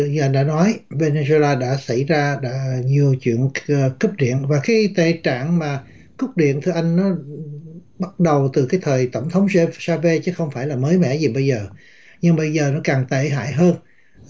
hiện đã nói vê ni du la đã xảy ra đã nhiều chuyện cúp điện và khi tình trạng mà cúp điện thưa anh nó bắt đầu từ thời tổng thống xa vê chứ không phải là mới mẻ gì bây giờ nhưng bây giờ nó càng tệ hại hơn